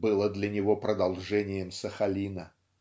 было для него продолжением Сахалина.